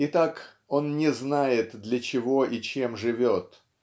Итак, он не знает, для чего и чем живет